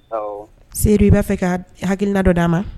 Seyidu i b'a fɛ ka hakiina dɔ d'a ma